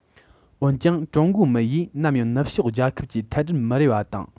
འོན ཀྱང ཀྲུང གོའི མི ཡིས ནམ ཡང ནུབ ཕྱོགས རྒྱལ ཁབ ཀྱིས ཐལ སྒྲར མི རེ བ དང